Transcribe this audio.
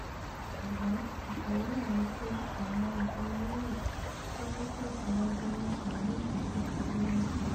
Ṣùgbọn ìṣòro náà nipé àwọn ìjẹniníyà tó ńtẹ̵̀síwájú ńmú àìní-ìgbẹkẹ̀lé wa jinlẹ̀.''